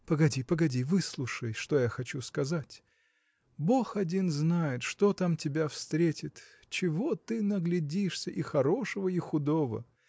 – Погоди, погоди – выслушай, что я хочу сказать! Бог один знает что там тебя встретит чего ты наглядишься и хорошего и худого.